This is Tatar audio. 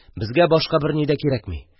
Безгә башка берни дә кирәкми.